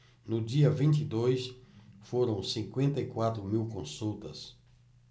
no dia vinte e dois foram cinquenta e quatro mil consultas